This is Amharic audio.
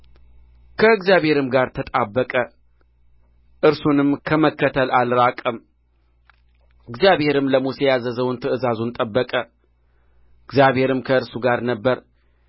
ከእግዚአብሔርም ጋር ተጣበቀ እርሱንም ከመከተል አልራቀም እግዚአብሔርም ለሙሴ ያዘዘውን ትእዛዛቱን ጠበቀ እግዚአብሔርም ከእርሱ ጋር ነበረ